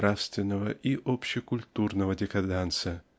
нравственного и общекультурного декаданса.